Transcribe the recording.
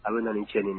Aw bɛ na cɛn nin